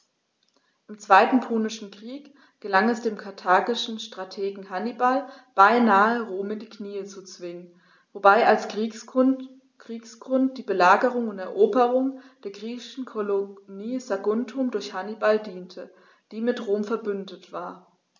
Im Zweiten Punischen Krieg gelang es dem karthagischen Strategen Hannibal beinahe, Rom in die Knie zu zwingen, wobei als Kriegsgrund die Belagerung und Eroberung der griechischen Kolonie Saguntum durch Hannibal diente, die mit Rom „verbündet“ war.